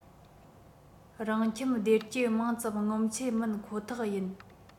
རང ཁྱིམ བདེ སྐྱིད མང ཙམ ངོམ ཆེད མིན ཁོ ཐག ཡིན